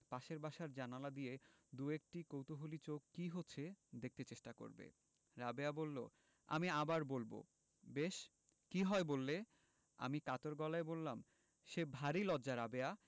পাশের বাসার জানালা দিয়ে দুএকটি কৌতুহলী চোখ কি হচ্ছে দেখতে চেষ্টা করবে রাবেয়া বললো আমি আবার বলবো বেশ কি হয় বললে আমি কাতর গলায় বললাম সে ভারী লজ্জা রাবেয়া